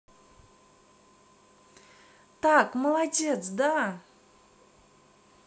так молодец да